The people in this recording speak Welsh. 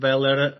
fel yr yy